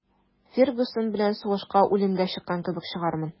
«фергюсон белән сугышка үлемгә чыккан кебек чыгармын»